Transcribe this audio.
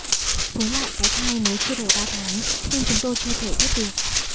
với lại cái thai mới chưa đầy ba tháng nên chúng tôi chưa thể biết được